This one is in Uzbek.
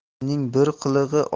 yomonning bir qilig'i